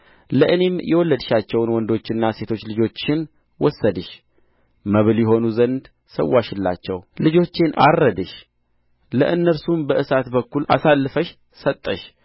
ለእኔም የወለድሻቸውን ወንዶችና ሴቶች ልጆችሽን ወስደሽ መብል ይሆኑ ዘንድ ሠዋሽላቸው ልጆቼን አረድሽ ለእነርሱም በእሳት በኩል አሳልፈሽ ሰጠሽ